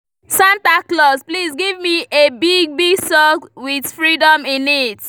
Santa Claus, pls give me a big big sock with freedom in it.